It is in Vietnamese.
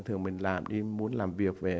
thường mình làm đi muốn làm việc về